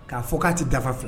K'a fɔ k'a tɛ dafa filɛ